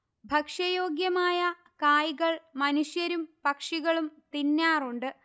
ഭക്ഷ്യയോഗ്യമായ കായ്കൾ മനുഷ്യരും പക്ഷികളും തിന്നാറുണ്ട്